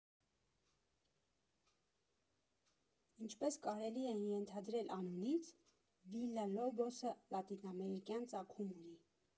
Ինչպես կարելի է ենթադրել անունից, Վիլլալոբոսը լատինամերիկյան ծագում ունի։